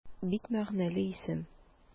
Бик мәгънәле исем.